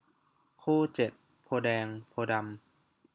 คู่เจ็ดโพธิ์แดงโพธิ์ดำ